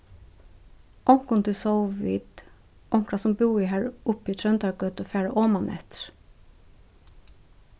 onkuntíð sóu vit onkra sum búði uppi í tróndargøtu fara omaneftir